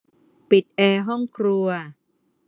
ปิดแอร์ห้องครัว